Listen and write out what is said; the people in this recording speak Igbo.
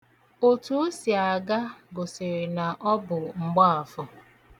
Otu o si aga gosiri na ọ bụ mgbaafọ.